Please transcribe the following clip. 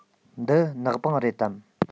འདི ནག པང རེད དམ